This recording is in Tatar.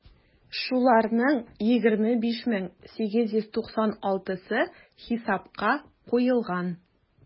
Шуларның 25 мең 896-сы хисапка куелган.